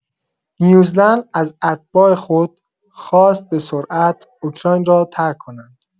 نیوزیلند از اتباع خود خواست به‌سرعت اوکراین را ترک کنند.